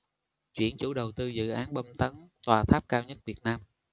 chuyển chủ đầu tư dự án bom tấn tòa tháp cao nhất việt nam